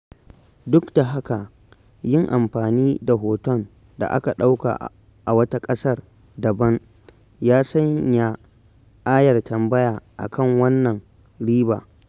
Duk da haka, yin amfani da hoton da aka ɗauka a wata ƙasar daban ya sanya ayar tambaya a kan wannan "riba".